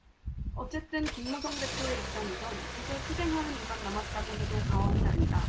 어쨌든 김무성 대표의 입장에선 이제 투쟁하는 일만 남았다고 해도 과언이 아니다